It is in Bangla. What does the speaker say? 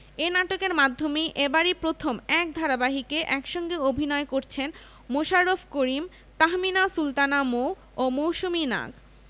এ নাটকের মাধ্যমেই এবারই প্রথম এক ধারাবাহিকে একসঙ্গে অভিনয় করছেন মোশাররফ করিম তাহমিনা সুলতানা মৌ ও মৌসুমী নাগ